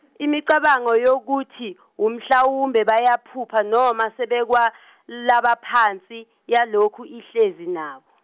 imicabango yokuthi mhlawumbe bayaphupha noma sebekwelabaphansi yalokhu ihlezi nabo.